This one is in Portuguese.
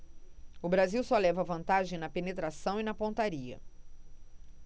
o brasil só leva vantagem na penetração e na pontaria